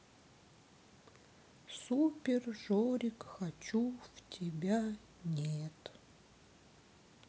супер жорик хочу в тебя нет